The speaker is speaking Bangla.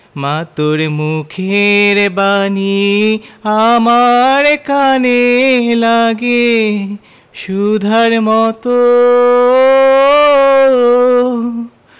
মা তোর মুখের বাণী আমার কানে লাগে সুধার মতো